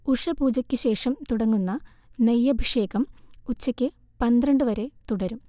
ഉഷഃപൂജക്കുശേഷം തുടങ്ങുന്ന നെയ്യഭിഷേകം ഉച്ച്ക്ക് പന്ത്രണ്ട് വരെ തുടരും